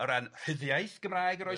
O ran rhyddiaeth Gymraeg yr